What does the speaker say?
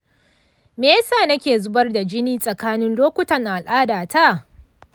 me ya sa nake zubar da jini tsakanin lokutan al'adata?